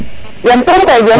jam soom kay Dione